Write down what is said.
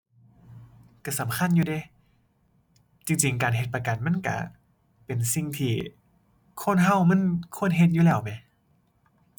ก็สำคัญอยู่เดะ จริงจริงการเฮ็ดประกันมันก็เป็นสิ่งที่คนก็มันควรเฮ็ดอยู่แล้วแหม